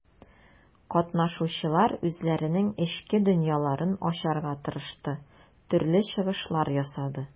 Катнашучылар үзләренең эчке дөньяларын ачарга тырышты, төрле чыгышлар ясады.